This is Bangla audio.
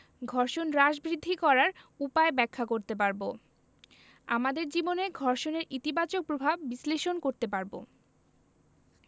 ঘর্ষণ হ্রাস বৃদ্ধি করার উপায় ব্যাখ্যা করতে পারব আমাদের জীবনে ঘর্ষণের ইতিবাচক প্রভাব বিশ্লেষণ করতে পারব